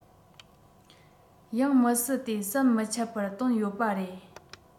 ཡང མི སྲིད དེ ཟམ མི ཆད པར བཏོན ཡོད པ རེད